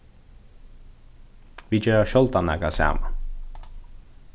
vit gera sjáldan nakað saman